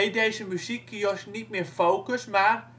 deze muziekkiosk niet meer " Focus " maar